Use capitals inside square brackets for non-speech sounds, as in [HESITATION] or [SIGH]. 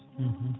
[HESITATION] [HESITATION]